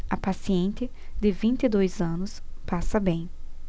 a paciente de vinte e dois anos passa bem